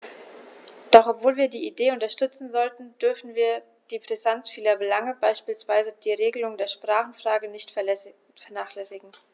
Doch obwohl wir die Idee unterstützen sollten, dürfen wir die Brisanz vieler Belange, beispielsweise die Regelung der Sprachenfrage, nicht vernachlässigen.